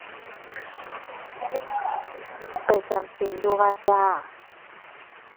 ไปจำศีลอยู่วัดจ้า